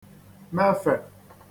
-mefè